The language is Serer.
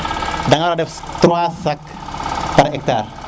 danga wara def 3 sacs par hectar